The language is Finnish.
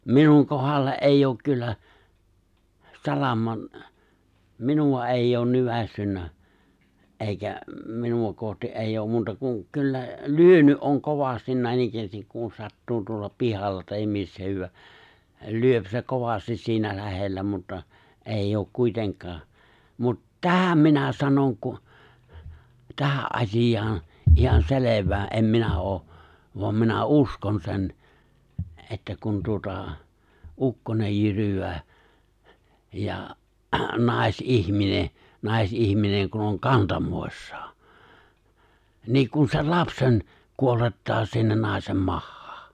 minun kohdalle ei ole kyllä salaman minua ei olen nykäissyt eikä minua kohti ei ole muuta kuin kyllä lyönyt on kovasti näinikään kun sattuu tuolla pihalla tai missä hyvänsä lyö se kovasti siinä lähellä mutta ei ole kuitenkaan mutta tähän minä sanon kun tähän asiaan ihan selvää en minä ole vaan minä uskon sen että kun tuota ukkonen jyryää ja naisihminen naisihminen kun on kantamoissaan niin kun sen lapsen kuolettaa sinne naisen mahaan